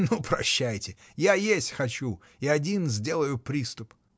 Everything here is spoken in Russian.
— Ну, прощайте, я есть хочу и один сделаю приступ.